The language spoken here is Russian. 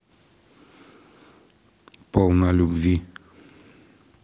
полна любви